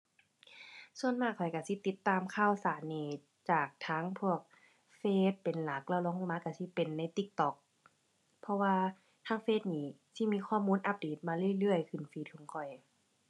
ส่วนมากข้อยก็สิติดตามข่าวสารนี่จากทางพวกเฟซเป็นหลัก แล้วรองลงมาก็สิเป็นใน TikTok เพราะว่าทางเฟซนี่สิมีข้อมูลอัปเดตมาเรื่อยเรื่อยขึ้นฟีดของข้อย